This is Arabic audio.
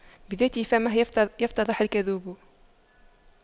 بذات فمه يفتضح الكذوب